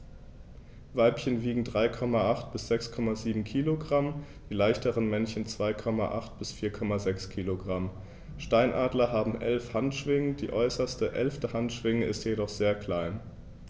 Weibchen wiegen 3,8 bis 6,7 kg, die leichteren Männchen 2,8 bis 4,6 kg. Steinadler haben 11 Handschwingen, die äußerste (11.) Handschwinge ist jedoch sehr klein.